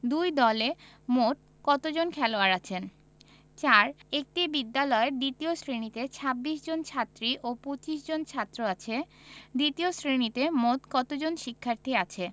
দুই দলে মোট কতজন খেলোয়াড় আছেন ৪ একটি বিদ্যালয়ের দ্বিতীয় শ্রেণিতে ২৬ জন ছাত্রী ও ২৫ জন ছাত্র আছে দ্বিতীয় শ্রেণিতে মোট কত জন শিক্ষার্থী আছে